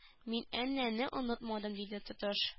Мин әннә не онытмадым диде тотыш